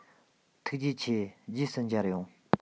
ཐུགས རྗེ ཆེ རྗེས སུ མཇལ ཡོང